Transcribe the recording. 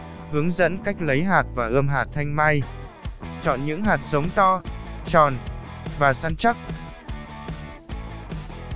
hướng dẫn cách lấy hạt và ươm hạt thanh mai chọn những hạt giống to tròn và săn chắc